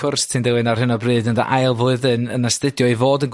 cwrs ti'n dilyn ar hyn o bryd yn dy ail flwyddyn yn astudio i fod yn